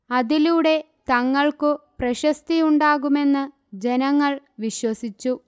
അതിലൂടെ തങ്ങൾക്കു പ്രശസ്തിയുണ്ടാകുമെന്ന് ജനങ്ങൾ വിശ്വസിച്ചു